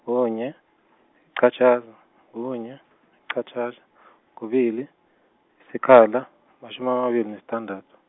kunye, liqatjhaza, kunye, liqatjhaza , kubili, sikhala, matjhumi amabili nesithandathu.